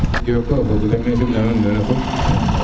njoko fogo le maxey sim na nuun nuno fop